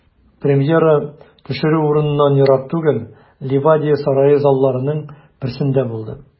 Премьера төшерү урыныннан ерак түгел, Ливадия сарае залларының берсендә булды.